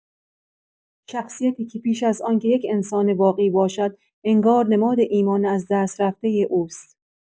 شخصیتی که بیش از آنکه یک انسان واقعی باشد، انگار نماد ایمان ازدست‌رفتۀ اوست.